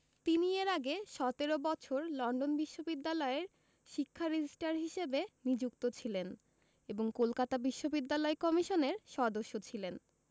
তিনি এর আগে ১৭ বছর লন্ডন বিশ্ববিদ্যালয়ের শিক্ষা রেজিস্ট্রার হিসেবে নিযুক্ত ছিলেন এবং কলকাতা বিশ্ববিদ্যালয় কমিশনের সদস্য ছিলেন